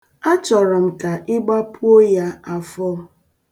A chọrọ m ka ị gbapuo ya afọ.